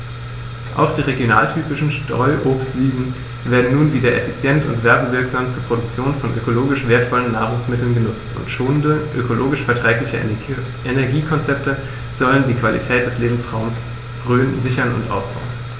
Auch die regionaltypischen Streuobstwiesen werden nun wieder effizient und werbewirksam zur Produktion von ökologisch wertvollen Nahrungsmitteln genutzt, und schonende, ökologisch verträgliche Energiekonzepte sollen die Qualität des Lebensraumes Rhön sichern und ausbauen.